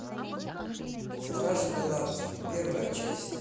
стражи галактики первая часть